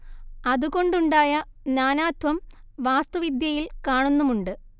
അതുകൊണ്ടുണ്ടായ നാനാത്വം വാസ്തുവിദ്യയിൽ കാണുന്നുമുണ്ട്